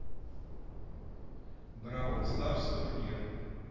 brawl stars турнир